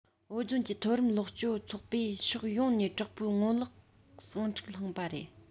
བོད ལྗོངས ཀྱི མཐོ རིམ ལོག སྤྱོད ཚོགས པས ཕྱོགས ཡོང ནས དྲག པོའི ངོ ལོག ཟིང འཁྲུག བསླངས པ རེད